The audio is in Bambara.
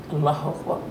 N ma ha fɔ